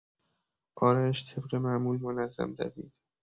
آرش طبق معمول منظم دوید.